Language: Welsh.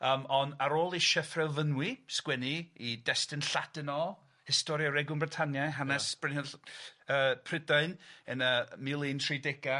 yym on' ar ôl i Sieffre o Fynwy sgwennu 'i destun Lladin o, Historia Regum Brittania hanes Brynhynll- yy Prydain yn y mil un tri dega.